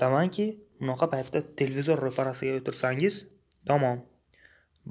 bilamanki bunaqa paytda televizor ro'parasiga o'tirsangiz tamom